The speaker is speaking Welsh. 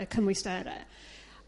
y cymwystere?